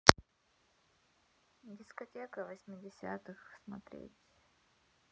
дискотека восьмидесятых смотреть